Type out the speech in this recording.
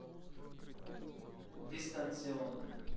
дистанционная